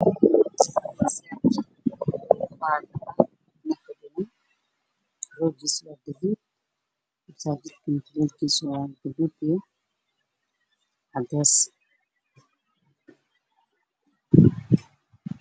Waa masaajid midabkiis yahay dahabi ah